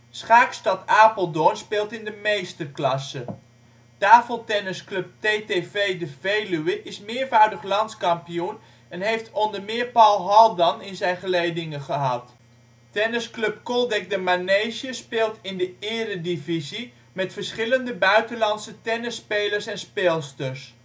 Schaakstad Apeldoorn speelt in de Meesterklasse. Tafeltennisclub TTV de Veluwe is meervoudig landskampioen en heeft onder meer Paul Haldan in de geledingen gehad. Tennisclub Coldec de Manege speelt in de eredivisie met verschillende (buitenlandse) tennisspelers en - speelsters